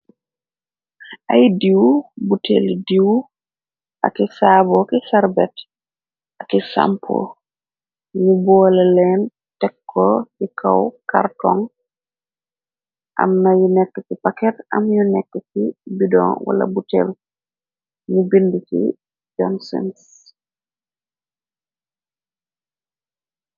ay diiw buteli diiw aki saabo ki sarbet aki sampo ñu booleleen tekko ci kaw kartong am na yu nekk ci paket am ñu nekk ci bydoŋ wala butel ñu bind ci johnsens